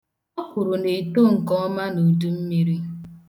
Ọkwụrụ na-etọ nke ọma n'udummiri.